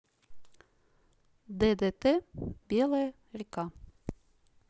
ддт белая река